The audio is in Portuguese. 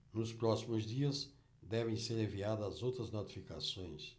nos próximos dias devem ser enviadas as outras notificações